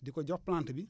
di ko jox plante bi